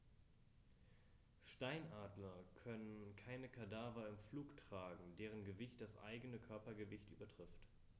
Steinadler können keine Kadaver im Flug tragen, deren Gewicht das eigene Körpergewicht übertrifft.